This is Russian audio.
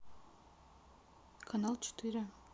канал четыре